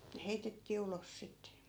ne heitettiin ulos sitten